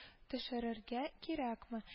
Төшерергә кирәкме